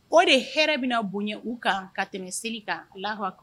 O de hɛrɛ bɛna bonya u kan ka tɛmɛ seli kan lafa